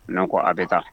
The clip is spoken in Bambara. Ne ko a bɛ taa